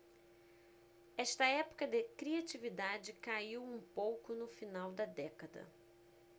esta época de criatividade caiu um pouco no final da década